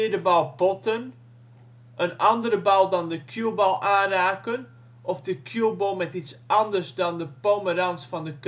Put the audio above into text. bal potten Een andere bal dan de cue ball aanraken, of de cue ball met iets anders dan de pomerans van de